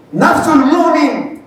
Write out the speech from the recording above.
Nafsulmuumin